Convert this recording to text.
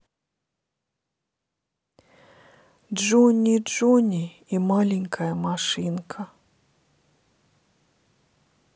джонни джонни и маленькая машинка